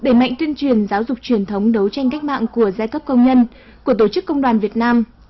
đẩy mạnh tuyên truyền giáo dục truyền thống đấu tranh cách mạng của giai cấp công nhân của tổ chức công đoàn việt nam